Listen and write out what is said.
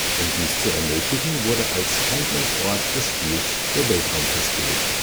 Um dies zu ermöglichen, wurde als Handlungsort des Spiels der Weltraum festgelegt